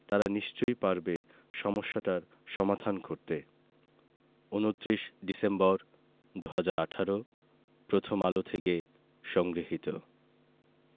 তারা নিশ্চয়ই পারবে সমস্যাটার সমাধান করতে ২৯ ডিসেম্বর ২০১৮ প্রথম আলো থেকে সংগৃহীত